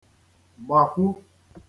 -gbàkwu